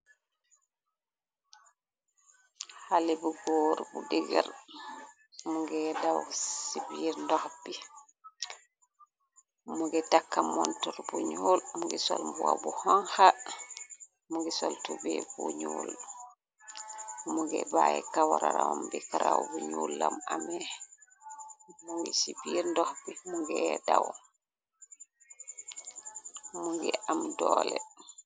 xale bu góor bu degër mu ngi daw ci biir ndox bi mungi tàkka montor bu ñuul mungi sol mboo bu hanka mungi sol tube bu ñuul mu ngi bayyi kawararam bi karaw bu ñuul lam ame gi ci biir ndox bi aw mu ngi am doole.